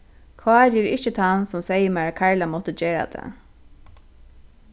kári er ikki tann sum segði mær at karla mátti gera tað